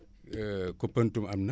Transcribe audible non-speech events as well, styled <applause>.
<hesitation> Koupantoum am na